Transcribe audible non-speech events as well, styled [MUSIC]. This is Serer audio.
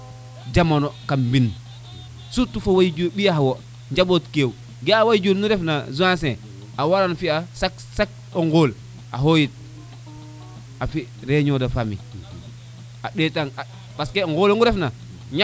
jamano kam mbine surtout fo wajuur xa ɓiya xe wo njamboot ke wo ga a wajuur nu ref na Zancier a waran fiya chaque o ŋol a xoyit a fi reunion de famille a ndetan parce que o ŋolo ŋu ref na [UNINTELLIGIBLE]